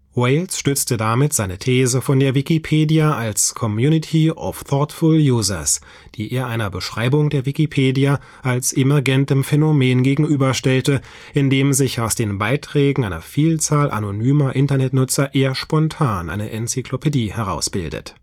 Wales stützte damit seine These von der Wikipedia als „ community of thoughtful users “, die er einer Beschreibung der Wikipedia als emergentem Phänomen gegenüberstellte, in dem sich aus den Beiträgen einer Vielzahl anonymer Internetnutzer eher spontan eine Enzyklopädie herausbildet